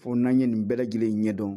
Fo n'an ye nin bɛɛ lajɛlen ɲɛdɔn